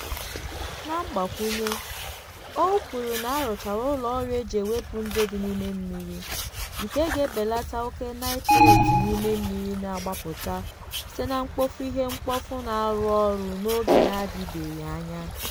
Na mgbakwụnye, o kwuru na a rụchara ụlọọrụ e ji ewepụ nje dị na mmiri, nke ga-ebelata oke naịtreeti n'ime mmiri na-agbapụta site na mkpofu ihe mkpofu na-arụ ọrụ, n'oge na-adịbeghị anya.